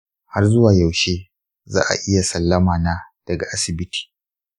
har zuwa yaushe za'a iya sallama na daga asibiti ?